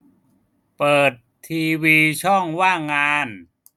เปิดทีวีช่องว่างงาน